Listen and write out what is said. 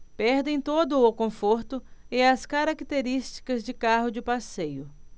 perdem todo o conforto e as características de carro de passeio